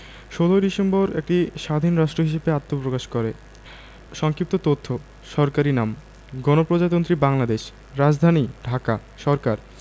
১৬ December একটি স্বাধীন রাষ্ট্র হিসেবে আত্মপ্রকাশ করে সংক্ষিপ্ত তথ্য সরকারি নামঃ গণপ্রজাতন্ত্রী বাংলাদেশ রাজধানীঃ ঢাকা সরকারঃ